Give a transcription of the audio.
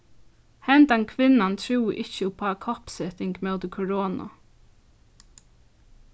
hendan kvinnan trúði ikki upp á koppseting móti koronu